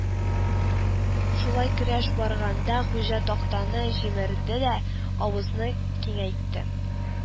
Шулай көрәш барганда, хуҗа тактаны җимерде дә, авызны киңәйтте